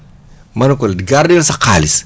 ma ne ko gardé sa xaalis